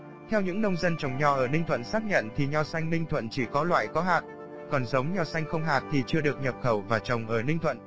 theo những nông dân trồng nho ở ninh thuận xác nhận thì nho ninh thuận chỉ có loại có hạt còn giống nho không hạt chưa được nhập khẩu và trồng ở ninh thuận